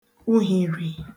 uhìrì